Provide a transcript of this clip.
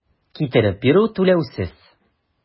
Китереп бирү - түләүсез.